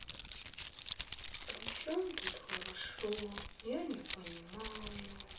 причем тут хорошо я не понимаю